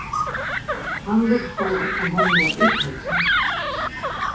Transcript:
hann lurtaði eftir henni í tøgn